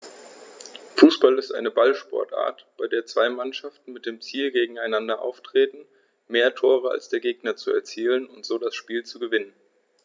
Fußball ist eine Ballsportart, bei der zwei Mannschaften mit dem Ziel gegeneinander antreten, mehr Tore als der Gegner zu erzielen und so das Spiel zu gewinnen.